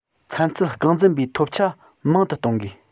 ཚན རྩལ རྐང འཛིན པའི ཐོབ ཆ མང དུ གཏོང དགོས